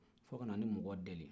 fo ka na a ni mɔgɔw deli